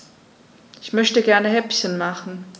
Ich möchte gerne Häppchen machen.